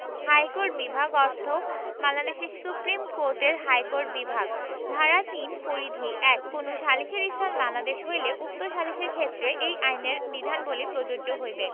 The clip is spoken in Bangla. ইহাকোর্ট বিভাগ অর্থ বাংলাদেশ সুপ্রীম কোর্টের হাইকোর্ট বিভাগ ধারা ৩ পরিধি ১ কোন সালিসের স্থান বাংলাদেশ হইলে উক্ত সালিসের ক্ষেত্রে এই আইনের বিধানাবলী প্রযোজ্য হইবে